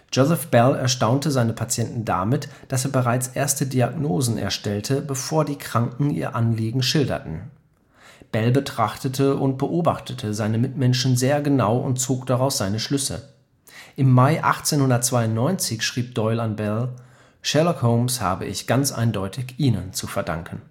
Joseph Bell erstaunte seine Patienten damit, dass er bereits erste Diagnosen erstellte, bevor die Kranken ihr Anliegen schilderten. Bell betrachtete und beobachtete seine Mitmenschen sehr genau und zog daraus seine Schlüsse. Im Mai 1892 schrieb Doyle an Bell: „ Sherlock Holmes habe ich ganz eindeutig Ihnen zu verdanken